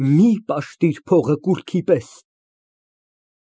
Մի պաշտիր փողը կուռքի պես։